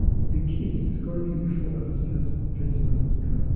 The case is currently before Alaska's Veteran's Court.